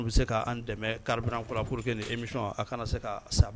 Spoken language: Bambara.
Bɛ se k'an dɛmɛ karipan kurakura porour que ni emi a kana se ka